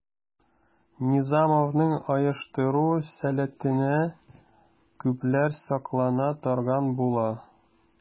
Низамовның оештыру сәләтенә күпләр соклана торган була.